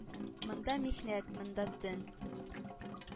Монда михнәт, монда төн,